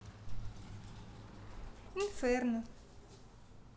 inferno